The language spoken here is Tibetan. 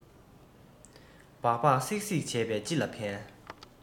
སྦག སྦག གསིག གསིག བྱས པས ཅི ལ ཕན